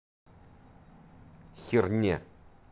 херня